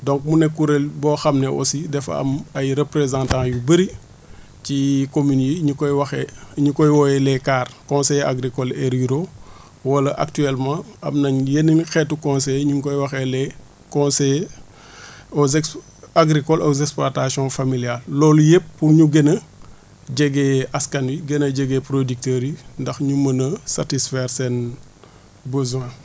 donc mu nekk kuréel boo xam ne aussi dafa am ay représentants yu bëri ci communes yi ñu koy waxee ñu koy woowee les CAR conseeiller agricoles et ruraux wala actuellement am na yenn xeetu conseillers ñu ngi koy waxee les conseillers aux ex agricoles aux exploitation familiales loolu yëpp pour ñu gën a jege askan wi gën a jege producteurs yi ndax ñu mën a satisfaire seen besoin